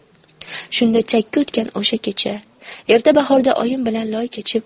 shunda chakka o'tgan o'sha kecha erta bahorda oyim bilan loy kechib